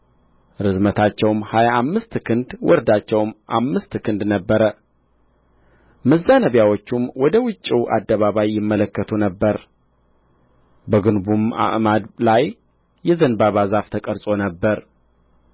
ርዝመታቸውም ሀያ አምስት ክንድ ወርዳቸውም አምስት ክንድ ነበረ መዛነቢያዎቹም ወደ ውጭው አደባባይ ይመለከቱ ነበር በግንቡም አዕማድ ላይ የዘንባባ ዛፍ ተቀርጾ ነበር